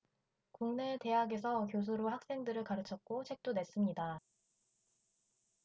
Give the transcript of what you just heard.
국내 대학에서 교수로 학생들을 가르쳤고 책도 냈습니다